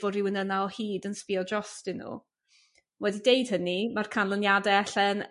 fod rhywun yna o hyd yn sbïo drostyn nhw. Wedi deud hynny ma'r canlyniade elle'n